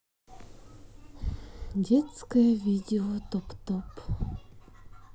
детское видео топ топ